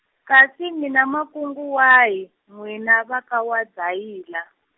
kasi mi na makungu wahi n'wina va ka waDayila?